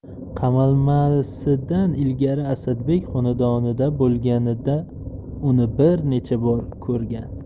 qamalmasidan ilgari asadbek xonadonida bo'lganida uni bir necha bor ko'rgan